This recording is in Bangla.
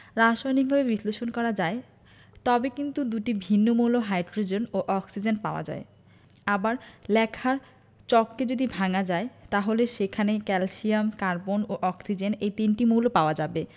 রাসায়নিকভাবে বিশ্লেষণ করা যায় তবে কিন্তু দুটি ভিন্ন মৌল হাইড্রোজেন ও অক্সিজেন পাওয়া যায় আবার লেখার চককে যদি ভাঙা যায় তাহলে সেখানে ক্যালসিয়াম কার্বন ও অক্সিজেন এ তিনটি মৌল পাওয়া যাবে